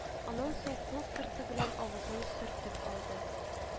Аннан соң кул сырты белән авызын сөртеп алды